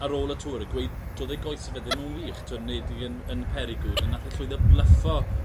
ar ôl y Tour a gweud do'dd ei goese fe ddim yn wych t'wod neud yn y Périgord a nath e llwydo blyffo